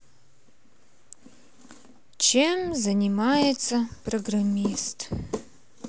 чем занимается программист